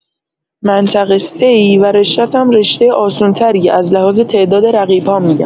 منطقه سه‌ای و رشتت هم‌رشته آسون تریه از لحاظ تعداد رقیب‌ها می‌گم